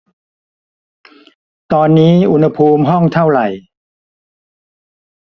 ตอนนี้อุณหภูมิห้องเท่าไหร่